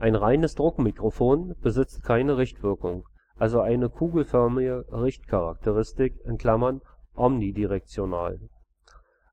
Ein reines Druckmikrofon besitzt keine Richtwirkung, also eine kugelförmige Richtcharakteristik (omnidirektional).